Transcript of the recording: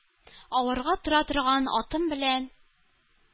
Аварга тора торган атым белән,